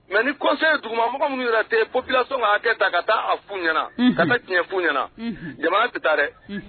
Mɛ ni kɔ kosɛbɛ dugumamɔgɔ minnu yɛrɛ ten ppilaso' kɛ da ka taa a fu ɲɛna tan bɛ tiɲɛɲɛ fu ɲɛnaana jama bɛ taa dɛ